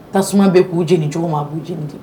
Tasuma bɛ k'u jeni cogo ma b'u jeni